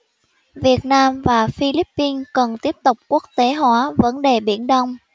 việt nam và philippines cần tiếp tục quốc tế hóa vấn đề biển đông